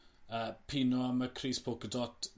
yy Pinot am y crys polkadot.